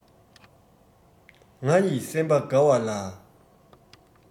ང ཡིས སེམས པ དགའ བ ལ